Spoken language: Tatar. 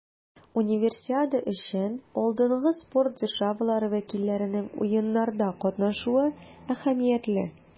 Универсиада өчен алдынгы спорт державалары вәкилләренең Уеннарда катнашуы әһәмиятле.